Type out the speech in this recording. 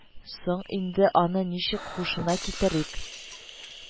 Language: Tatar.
Соң инде аны ничек һушына китерик